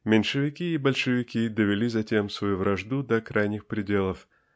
"меньшевики" и "большевики" довели затем свою вражду до крайних пределов